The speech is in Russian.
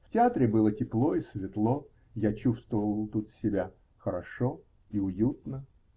В театре было тепло и светло; я чувствовал тут себя хорошо и уютно.